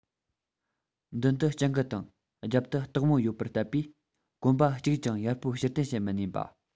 མདུན དུ སྤྱང ཀི དང རྒྱབ ཏུ སྟག མོ ཡོད པར བརྟབས པས གོམ པ གཅིག ཀྱང ཡར སྤོ ཕྱིར འཐེན བྱེད མི ནུས པ